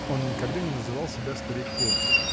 (Он никогда не называл себя стариком.